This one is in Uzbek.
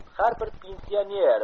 har bir pensioner